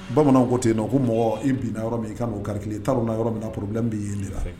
Bamananw ko ten yen nɔn ko mɔgɔ i binna yɔrɔ min i ka n'o kiri i t'a' yɔrɔ min na pbilɛ b'i ɲin